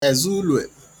èzụulue